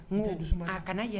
A kana